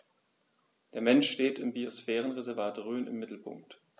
Der Mensch steht im Biosphärenreservat Rhön im Mittelpunkt.